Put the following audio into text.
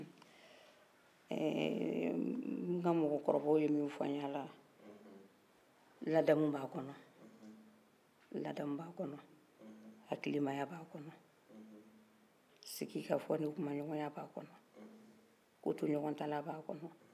an ka mɔgɔ kɔrɔbaw ye min f'an y'a la ladamu b'a kɔnɔ hakilimaya b'a kɔnɔ siginkafɔ ni kuma ɲɔgɔn ya b'a kɔnɔ ko to ɲɔgɔn tala b'a kɔnɔ